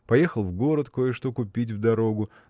Поехал в город кое-что купить в дорогу.